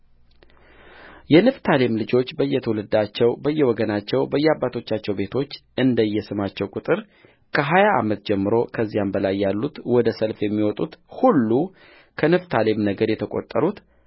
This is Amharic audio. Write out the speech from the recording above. የንፍታሌም ልጆች በየትውልዳቸው በየወገናቸው በየአባቶቻቸው ቤቶች እንደየስማቸው ቍጥር ከሀያ ዓመት ጀምሮ ከዚያም በላይ ያሉት ወደ ሰልፍ የሚወጡት ሁሉከንፍታሌም ነገድ የተቈጠሩት